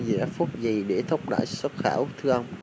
giải pháp gì để thúc đẩy xuất khẩu thưa ông